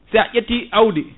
sa ƴetti awdi